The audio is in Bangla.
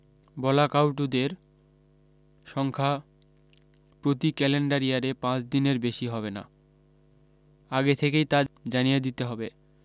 বলাকাউটুদের সংখ্যা প্রতি ক্যালেন্ডার ইয়ারে পাঁচ দিনের বেশী হবে না আগে থেকেই তা জানিয়ে দিতে হবে